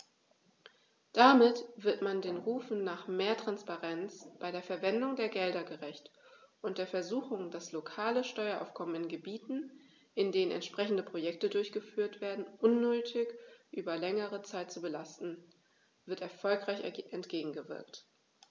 Damit wird man den Rufen nach mehr Transparenz bei der Verwendung der Gelder gerecht, und der Versuchung, das lokale Steueraufkommen in Gebieten, in denen entsprechende Projekte durchgeführt werden, unnötig über längere Zeit zu belasten, wird erfolgreich entgegengewirkt.